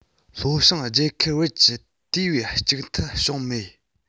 ལྷོ བྱང རྒྱལ ཁབ བར གྱི དེ བས གཅིག མཐུན བྱུང མེད